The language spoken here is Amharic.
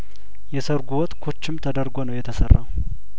የሰርጉ ወጥ ኩችም ተደርጐ ነው የተሰራው